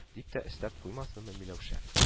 Дип тә өстәп куймасынмы миләүшә